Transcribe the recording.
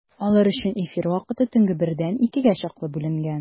Алар өчен эфир вакыты төнге бердән икегә чаклы бүленгән.